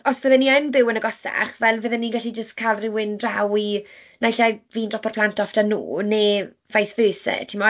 Os fydde ni yn byw yn agosach fel fydden ni'n gallu jyst cael rywun draw i naill ai fi'n dropo'r plant off 'da nhw, neu vice versa timod?